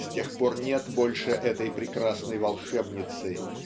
с тех пор нет больше этой прекрасной волшебницы